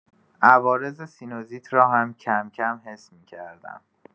عوارض سینوزیت را هم کم‌کم حس می‌کردم.